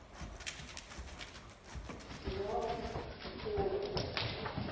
сериал золото